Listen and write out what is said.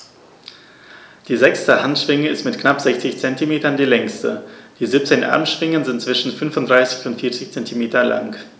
Die sechste Handschwinge ist mit knapp 60 cm die längste. Die 17 Armschwingen sind zwischen 35 und 40 cm lang.